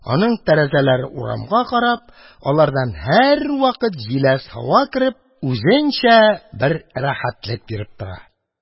Аның тәрәзәләре урамга карап, алардан һәрвакыт җиләс һава кереп, үзенчә бер рәхәтлек биреп тора.